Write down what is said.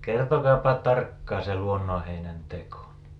kertokaapa tarkkaan se luonnonheinän teko